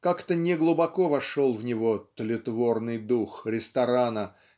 Как-то неглубоко вошел в него "тлетворный дух" ресторана